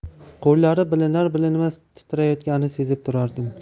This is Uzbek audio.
qo'llari bilinar bilinmas titrayotganini sezib turardim